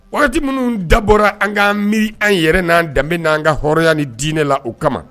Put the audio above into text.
Waati wagati minnu dabɔra an ka miiri an yɛrɛ n danbebe n'an ka hɔrɔnya ni diinɛ la o kama